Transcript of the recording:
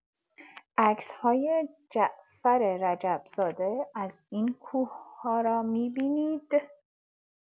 عکس‌های جعفر رجب‌زاده از این کوه‌ها را می‌بینید.